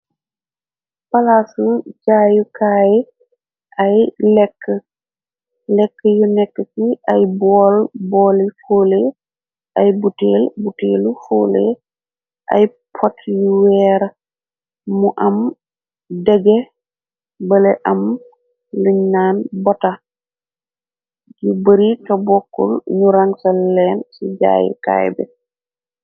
Palaasu jaayukaay ay lekk yu nekk ci ay bool booli fuule ay lbuteelu foule ay pot yu weer mu am dege bale am luñ naan bota yi bari te bokkul ñu ran sal leen ci jaayukaay bi.